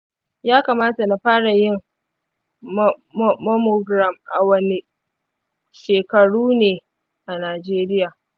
ya kamata na fara yin mammogram a wane shekarune a najeriya?